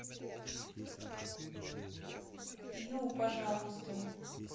ю пожалуйста